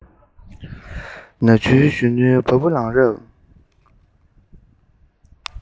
ན ཆུང གཞོན ནུའི བ སྤུ ལངས རབས